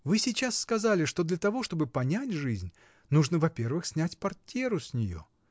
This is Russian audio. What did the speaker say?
Вы сейчас сказали, что для того, чтобы понять жизнь, нужно, во-первых, снять портьеру с нее.